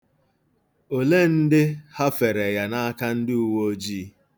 Ole ndị hafere ya n'aka ndị uweojii?